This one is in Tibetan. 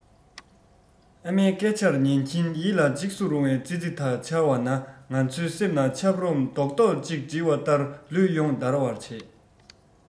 ཨ མའི སྐད ཆར ཉན གྱིན ཡིད ལ འཇིགས སུ རུང བའི ཙི ཙི དག འཆར བ ན ང ཚོའི སེམས ན ཆབ རོམ རྡོག རྡོག གཅིག འགྲིལ བ ལྟར ལུས ཡོངས འདར བར བྱས